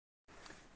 beburdga behisht yo'q